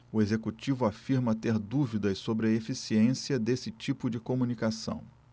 o executivo afirma ter dúvidas sobre a eficiência desse tipo de comunicação